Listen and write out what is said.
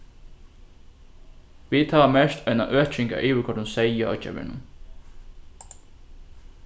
vit hava merkt eina øking av yvirkoyrdum seyði á oyggjarvegnum